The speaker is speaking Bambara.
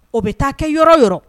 O bɛ taa kɛ yɔrɔ yɔrɔ